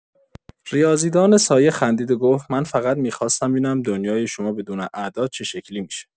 ریاضی‌دان سایه خندید و گفت: «من فقط می‌خواستم ببینم دنیای شما بدون اعداد چه شکلی می‌شه.»